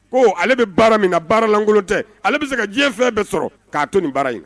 Ko ale bɛ baara min na baaralankolon tɛ ale bɛ se ka diɲɛ fɛn bɛɛ sɔrɔ k'a to ni baara in